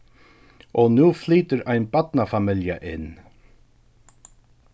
og nú flytur ein barnafamilja inn